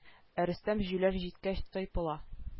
Ә рөстәм җүләр җиткәч тайпыла